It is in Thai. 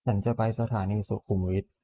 ฉันจะไปสถานีสุขุมวิท